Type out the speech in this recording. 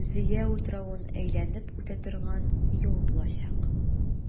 Зөя утравын әйләнеп үтә торган юл булачак.